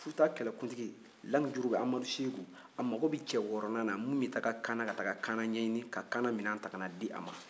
futa kɛlɛkuntigi lamijurubɛn amadu seku a mago bɛ cɛ wɔɔrɔnan min bɛ taa kaana ka taa kaana ɲɛɲinin ka kaana minɛn ta ka na di a ma